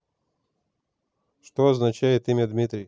что означает имя дмитрий